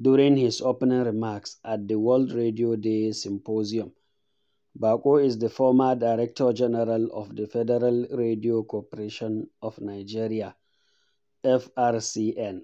during his opening remarks at the World Radio Day Symposium. Bako is the former Director-General of the Federal Radio Corporation of Nigeria (FRCN).